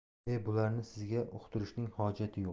e bularni sizga uqtirishning hojati yo'q